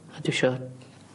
A dw isio